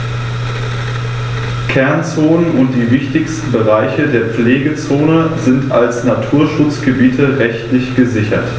Kernzonen und die wichtigsten Bereiche der Pflegezone sind als Naturschutzgebiete rechtlich gesichert.